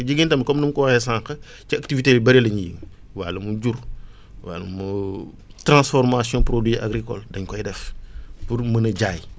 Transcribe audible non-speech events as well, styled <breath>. parce que jigéen tamit comme nu ma ko waxee sànq <breath> ci activité yu bëri la ñuy yëngu wàllum jur <breath> wàllum <hesitation> transformation produit agricole dañ koy def pour mën a jaay